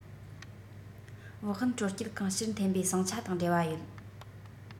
ཝུའུ ཧན སྤྲོ སྐྱིད ཁང ཕྱིར འཐེན པའི ཟིང ཆ དང འབྲེལ བ ཡོད